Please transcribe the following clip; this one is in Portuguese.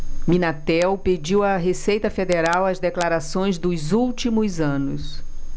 minatel pediu à receita federal as declarações dos últimos anos